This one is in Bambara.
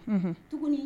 H tuguni